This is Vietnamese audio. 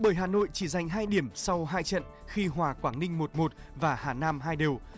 bởi hà nội chỉ giành hai điểm sau hai trận khi hòa quảng ninh một một và hà nam hai đều